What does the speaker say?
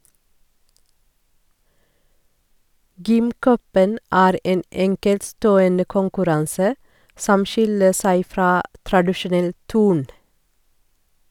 Gymcupen er en enkeltstående konkurranse som skiller seg fra tradisjonell turn.